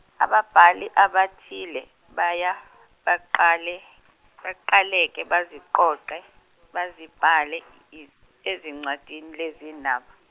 ababhali abathile baya beqale, baqale ke baziqoqe bazibhale i- ezincwadini lezi zindaba.